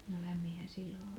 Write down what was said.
no lämminhän silloin oli